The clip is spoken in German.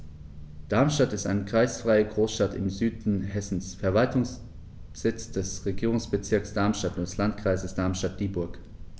Darmstadt ist eine kreisfreie Großstadt im Süden Hessens, Verwaltungssitz des Regierungsbezirks Darmstadt und des Landkreises Darmstadt-Dieburg.